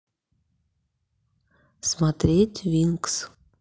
смотреть винкс